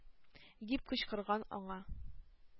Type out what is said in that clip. Дип кычкырган аңа.